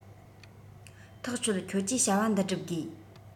ཐག ཆོད ཁྱོད ཀྱིས བྱ བ འདི སྒྲུབ དགོས